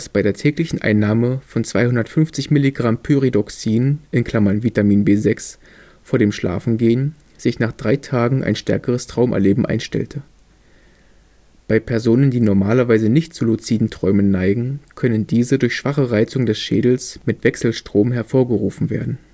bei der täglichen Einnahme von 250 mg Pyridoxin (Vitamin B6) vor dem Schlafengehen sich nach drei Tagen ein stärkeres Traumerleben einstellte. Bei Personen, die normalerweise nicht zu luziden Träumen neigen, können diese durch schwache Reizung des Schädels mit Wechselstrom hervorgerufen werden